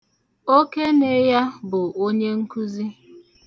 Okene ya bụ onye nkuzi.